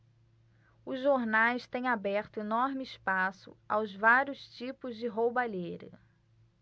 os jornais têm aberto enorme espaço aos vários tipos de roubalheira